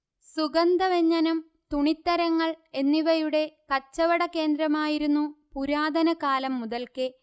സുഗന്ധ വ്യഞ്ജനം തുണിത്തരങ്ങൾ എന്നിവയുടെ കച്ചവട കേന്ദ്രമായിരുന്നു പുരാതന കാലം മുതല്ക്കേ